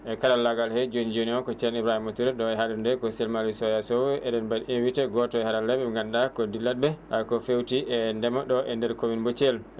e karallagal he jooni jooni o ko ceerno Ibrahima Touré ɗo e haalirde nde ko sehilmon Aliou Soya Sow eɗen mbaɗi invité goto e haaralleɓe mon gannduɗa ko dilloɓe ko fewti e ndeema ɗo e nder commune mo thiel